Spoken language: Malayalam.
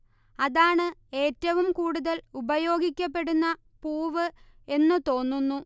അതാണ് ഏറ്റവും കൂടുതൽ ഉപയോഗിക്കപ്പെടുന്ന പൂവ് എന്നു തോന്നുന്നു